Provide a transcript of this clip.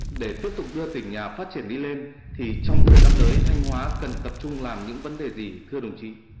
để tiếp tục đưa tỉnh nhà phát triển đi lên thì trong thời gian tới thanh hóa cần tập trung làm những vấn đề gì thưa đồng chí